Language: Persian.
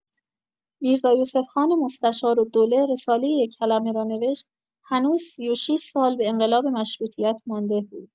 میرزا یوسف خان مستشارالدوله رساله «یک کلمه» را نوشت هنوز ۳۶ سال به انقلاب مشروطیت مانده بود.